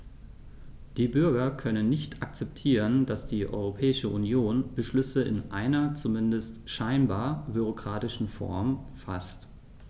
Die Bürger können nicht akzeptieren, dass die Europäische Union Beschlüsse in einer, zumindest scheinbar, bürokratischen Form faßt.